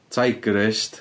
Tigerist.